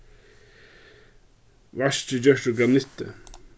vaskið er gjørt úr granitti